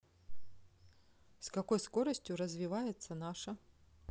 с какой скоростью развивается наша